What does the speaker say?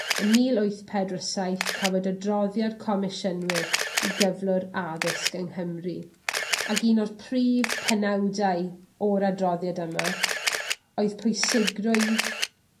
ym mil wyth pedwar saith cafwyd adroddiad comisiynwyr i gyflwr addysg yng Nghymru, ag un o'r prif penawdau o'r adroddiad yma oedd pwysigrwydd